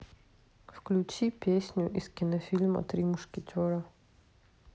включи песню из кинофильма три мушкетера